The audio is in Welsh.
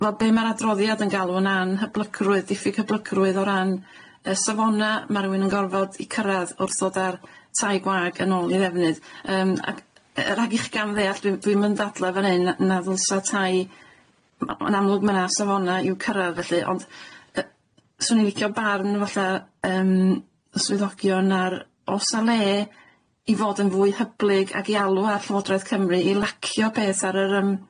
wel be' ma'r adroddiad yn galw'n anhyblygrwydd diffyg hyblygrwydd o ran y safona ma' rywun yn gorfod 'i cyrradd wrth ddod â'r tai gwag yn ôl i ddefnydd yym ac yy rhag i chi gam ddeall dwi'm dwi'm yn dadla fan 'yn na na ddylsa tai ma' yn amlwg ma' 'na safona i'w cyrradd felly ond yy 'swn i'n licio barn falla yym y swyddogion ar o's 'a le i fod yn fwy hyblyg ag i alw ar llywodraeth Cymru i lacio peth ar yr yym